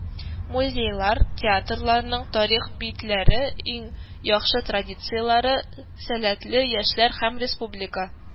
Музейлар, театрларның тарих битләре, иң яхшы традицияләре, сәләтле яшьләр һәм республика